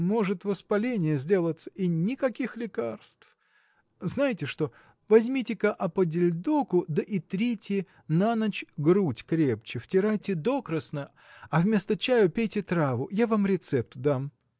может воспаление сделаться; и никаких лекарств! Знаете что? возьмите-ка оподельдоку да и трите на ночь грудь крепче втирайте докрасна а вместо чаю пейте траву я вам рецепт дам.